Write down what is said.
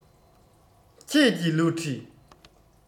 ཁྱེད ཀྱི བསླུ བྲིད